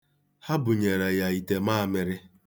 Ha bunyere ya itemaamịrị.